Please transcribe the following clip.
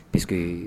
Parce que